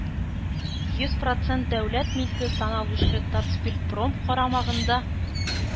Йөз процент дәүләт милке саналучы “татспиртпром” карамагында.